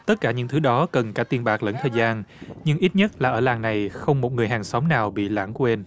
tất cả những thứ đó cần cả tiền bạc lẫn thời gian nhưng ít nhất là ở làng này không một người hàng xóm nào bị lãng quên